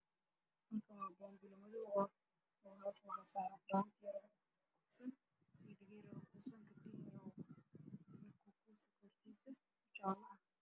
Meeshaan waxaa yaalo boonbalo madow ah waxaana qoor toos ururka tiilood nasiib darro loo digan waxaa kujiro badan